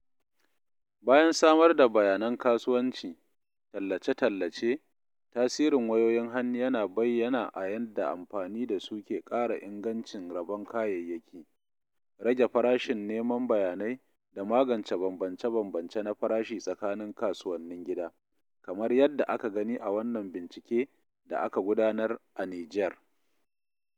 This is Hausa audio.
Bayan samar da bayanan kasuwanci/tallace-tallace, tasirin wayoyin hannu yana bayyana a yadda amfani da su ke ƙara ingancin rabon kayayyaki, rage farashin neman bayanai, da magance bambance-bambance na farashi tsakanin kasuwannin gida, kamar yadda aka gani a wannan bincike da aka gudanar a Niger.